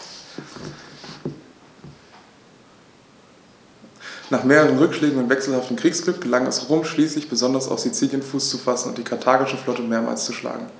Nach mehreren Rückschlägen und wechselhaftem Kriegsglück gelang es Rom schließlich, besonders auf Sizilien Fuß zu fassen und die karthagische Flotte mehrmals zu schlagen.